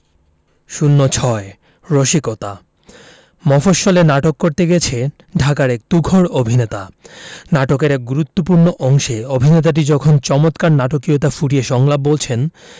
০৬ রসিকতা মফশ্বলে নাটক করতে গেছে ঢাকার এক তুখোর অভিনেতা নাটকের এক গুরুত্তপূ্র্ণ অংশে অভিনেতাটি যখন চমৎকার নাটকীয়তা ফুটিয়ে সংলাপ বলছেন